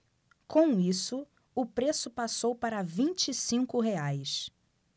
com isso o preço passou para vinte e cinco reais